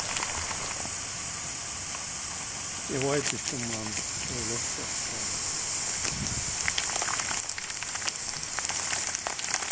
eg veit ikki um hann hevur lurtað eftir teimum